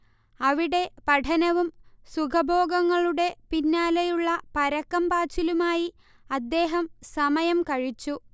അവിടെ പഠനവും സുഖഭോഗങ്ങളുടെ പിന്നാലെയുള്ള പരക്കം പാച്ചിലുമായി അദ്ദേഹം സമയം കഴിച്ചു